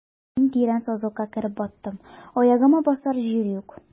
Мин тирән сазлыкка кереп баттым, аягыма басар җир юк.